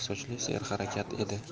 sochli serharakat edi